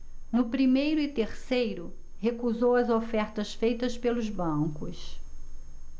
no primeiro e terceiro recusou as ofertas feitas pelos bancos